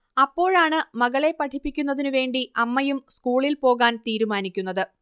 അപ്പോഴാണ് മകളെ പഠിപ്പിക്കുന്നതിനുവേണ്ടി അമ്മയും സ്ക്കൂളിൽ പോകാൻ തീരുമാനിക്കുന്നത്